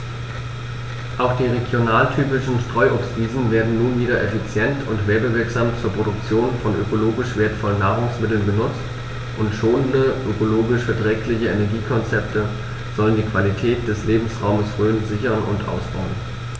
Auch die regionaltypischen Streuobstwiesen werden nun wieder effizient und werbewirksam zur Produktion von ökologisch wertvollen Nahrungsmitteln genutzt, und schonende, ökologisch verträgliche Energiekonzepte sollen die Qualität des Lebensraumes Rhön sichern und ausbauen.